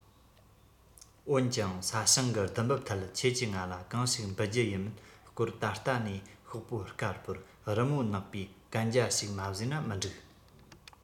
འོན ཀྱང ས ཞིང གི བསྡུ འབབ ཐད ཁྱེད ཀྱི ང ལ གང ཞིག འབུལ རྒྱུ ཡིན མིན སྐོར ད ལྟ ནས ཤོག པོ དཀར པོར རི མོ ནག པོའི གན རྒྱ ཞིག མ བཟོས ན མི འགྲིག